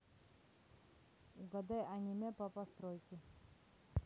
угадай аниме по постройке